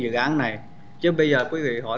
dự án này chứ bây giới quý vị hỏi